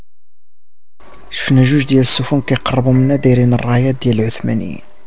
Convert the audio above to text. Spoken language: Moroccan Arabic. موجود جي سفن قرب مندرين الرائدي العثمانيه